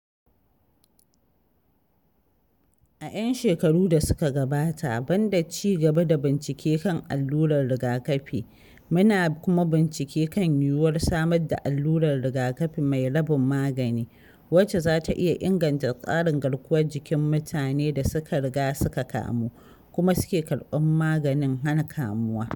A 'yan shekaru da suka gabata, ban da ci gaba da bincike kan allurar rigakafi, muna kuma bincike kan yiwuwar samar da allurar rigakafi mai rabin magani, wacce za ta iya inganta tsarin garkuwar jikin mutanen da suka riga suka kamu, kuma suke karɓar maganin hana kamuwa.